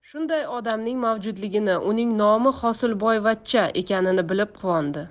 shunday odamning mavjudligini uning nomi hosilboyvachcha ekanini bilib quvondi